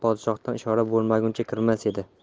podshohdan ishora bo'lmaguncha kirmas edi